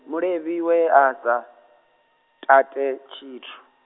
mulevhi we a sa, tate tshithu.